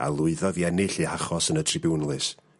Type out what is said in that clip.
...a lwyddodd i enill eu hachos yn y tribiwnlys...